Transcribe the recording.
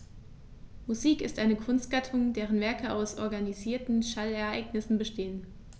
Musik ist eine Kunstgattung, deren Werke aus organisierten Schallereignissen bestehen.